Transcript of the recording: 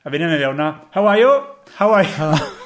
Finnau'n mynd fewn yno "How are you? How ar-"